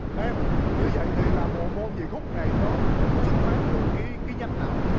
em như vậy thì là bộ môn vị thuốc này nó xuất phát từ cái cái nhánh nào